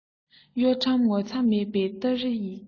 གཡོ ཁྲམ ངོ ཚ མེད པའི སྟ རེ ཡི བྱེད པོ